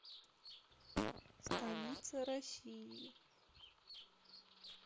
столица россии